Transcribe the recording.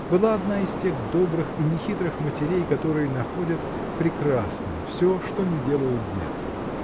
была одна из тех добрых и нехитрых матерей которые находят прекрасным все что ни делают детки.